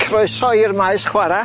Croeso i'r maes chwara.